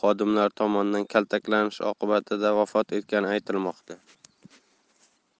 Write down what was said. xodimlari tomonidan kaltaklanishi oqibatida vafot etgani aytilmoqda